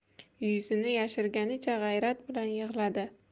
yuzini yashirganicha g'ayrat bilan yig'ladi